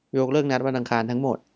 ยกเลิกนัดวันอังคารทั้งหมด